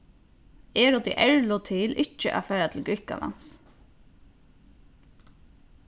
eg ráddi erlu til ikki at fara til grikkalands